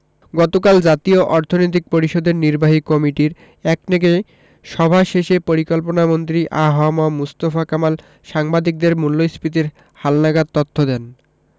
গতকাল জাতীয় অর্থনৈতিক পরিষদের নির্বাহী কমিটির একনেক সভা শেষে পরিকল্পনামন্ত্রী আ হ ম মুস্তফা কামাল সাংবাদিকদের মূল্যস্ফীতির হালনাগাদ তথ্য দেন